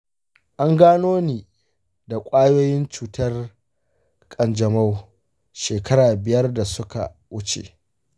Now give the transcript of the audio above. an gano ni da ƙwayoyin cutar kanjamau shekaru biyar da suka wuce.